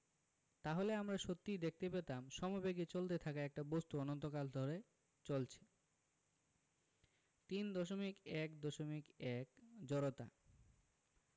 তাহলে আমরা সত্যিই দেখতে পেতাম সমবেগে চলতে থাকা একটা বস্তু অনন্তকাল ধরে চলছে 3.1.1 জড়তা